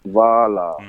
B baara